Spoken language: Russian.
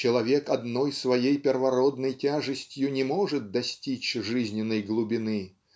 человек одной своей первородной тяжестью не может достичь жизненной глубины